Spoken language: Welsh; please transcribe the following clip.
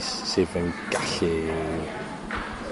s- sydd yn gallu